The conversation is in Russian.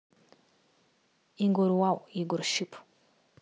igoryao егор шип